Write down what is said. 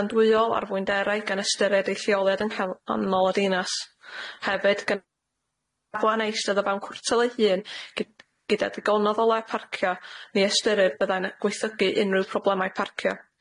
andwyol ar fwynderau gan ystyried ei lleoliad yng nghef- yng ngol y dinas, hefyd gynna' safle yn eistedd o fewn cwrtyl ei hun gy- gyda digon o ddolau parcio ni ystyrir byddai'n gweithygu unrhyw problemau parcio.